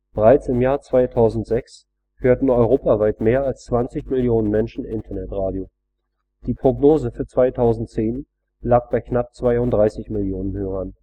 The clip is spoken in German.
Bereits im Jahr 2006 hörten europaweit mehr als 20 Millionen Menschen Internetradio; die Prognose für 2010 lag bei knapp 32 Millionen Hörern